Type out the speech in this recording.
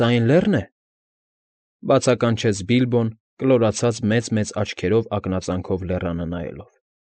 Սա այն լե՞ռն է,֊ բացականչեց Բիլբոն, կլորացած մեծ֊մեծ աչքերով ակնածանով լեռանը նայելով։